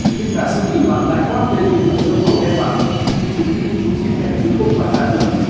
nhưng gà sư tử bạc lại khoác lên mình bộ lông màu đen bạc nhìn chúng như những chú chim cảnh chứ không phải gà nữa